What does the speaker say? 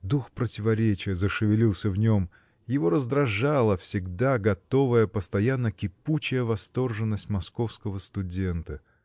дух противоречия зашевелился в нем: его раздражала всегда готовая, постоянно кипучая восторженность московского студента.